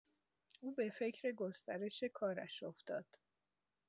او به فکر گسترش کارش افتاد.